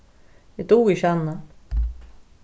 eg dugi ikki annað